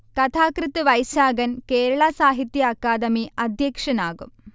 കഥാകൃത്ത് വൈശാഖൻ കേരള സാഹിത്യ അക്കാദമി അദ്ധ്യക്ഷനാകും